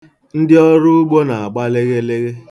Ndị ọrụ ugbo na-agba lịghịlịghị.